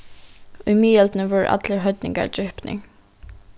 í miðøldini vórðu allir heidningar dripnir